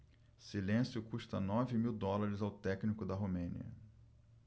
silêncio custa nove mil dólares ao técnico da romênia